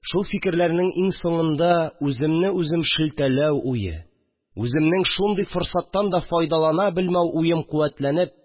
Шул фикерләрнең иң соңында үземне үзем шелтәләү дә, үземнең шундый форсаттан да файдалана белмәү ем куәтләнеп